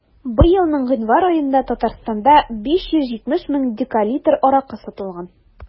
Быелның гыйнвар аенда Татарстанда 570 мең декалитр аракы сатылган.